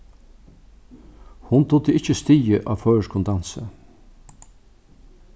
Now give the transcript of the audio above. hon dugdi ikki stigið á føroyskum dansi